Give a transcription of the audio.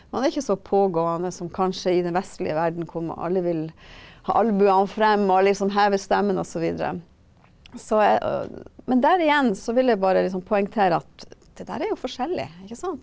man er ikke så pågående som kanskje i den vestlige verden hvor alle vil ha albuen frem og liksom heve stemmen og så videre, så og men der igjen så vil jeg bare liksom poengtere at det der er jo forskjellig ikke sant.